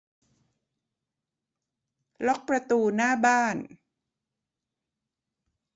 ล็อกประตูหน้าบ้าน